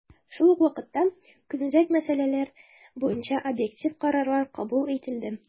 Шул ук вакытта, көнүзәк мәсьәләләр буенча объектив карарлар кабул ителде.